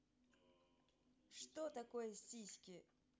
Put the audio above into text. что такое сиськи